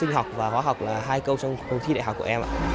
sinh học và hóa học là hai câu trong khối thi đại học của em ạ